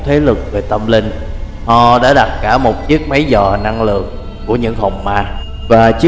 thế lực về tâm linh họ đã đặt cả một chiếc máy dò năng lượng của những hồn ma và chiếc